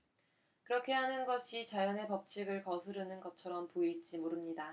그렇게 하는 것이 자연의 법칙을 거스르는 것처럼 보일지 모릅니다